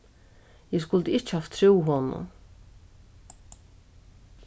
eg skuldi ikki havt trúð honum